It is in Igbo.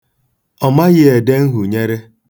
Ọ maghị ede nhunyere.